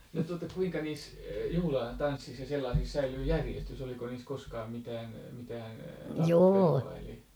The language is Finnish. no tuota kuinka niissä juhlatansseissa ja sellaisissa säilyi järjestys oliko niissä koskaan mitään mitään tappelua eli